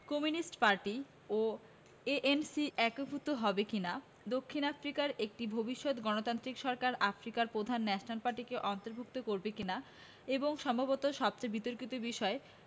communist party ও ANC একীভূত হবে কি না দক্ষিণ আফ্রিকার একটি ভবিষ্যৎ গণতান্ত্রিক সরকার আফ্রিকার প্রধান ন্যাশনাল পার্টিকে অন্তর্ভুক্ত করবে কি না এবং সম্ভবত সবচেয়ে বিতর্কিত বিষয়